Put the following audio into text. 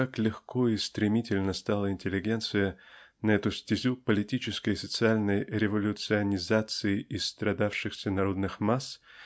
как легко и стремительно стала интеллигенция на эту стезю политической и социальной революционизации исстрадавшихся народных масс